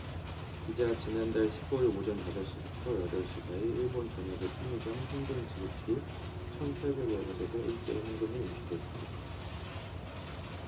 기자 지난달 십 오 일 오전 다섯 시부터 여덟 시 사이 일본 전역의 편의점 현금지급기 천 팔백 여 곳에서 일제히 현금이 인출됐습니다